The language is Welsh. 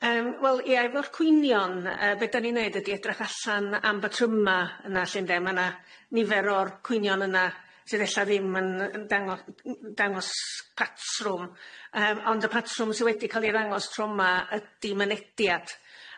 Yym wel ie efo'r cwynion y- be' dan ni'n neud ydi edrych allan am batryma yna lle ynde ma' na nifer o'r cwynion yna sydd ella ddim yn y- yn dango n- dangos patrwm yym ond y patrwm sy' wedi ca'l i ddangos tro'ma ydi mynediad.